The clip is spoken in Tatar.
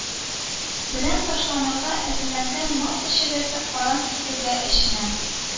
Белән ташланырга әзерләнгән мал эчәгесе, карын тизәге эченә